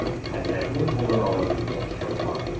Хәзрәтнең кулын алып үпмәкче була.